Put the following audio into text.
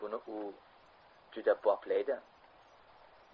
buni u juda boplaydi